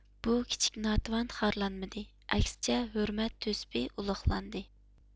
بۇ كىچىك ناتىۋان خارلانمىدى ئەكسىچە ھۆرمەت تۆسبى ئۇلۇغلاندى